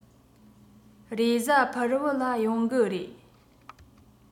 རེས གཟའ ཕུར བུ ལ ཡོང གི རེད